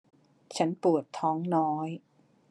ฉันปวดท้องน้อย